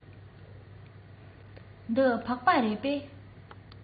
འདི ཕག པ རེད པས